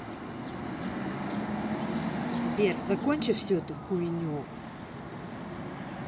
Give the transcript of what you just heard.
сбер закончи эту всю хуйню